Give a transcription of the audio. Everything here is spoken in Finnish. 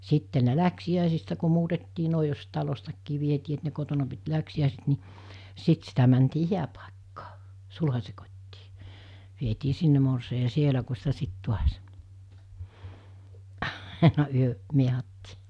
sitten ne läksiäisistä kun muutettiin noin jos talostakin vietiin että ne kotona piti läksiäiset niin sitten sitä mentiin hääpaikkaan sulhasen kotiin vietiin sinne morsian ja siellä kun sitä sitten taas aina yö miehattiin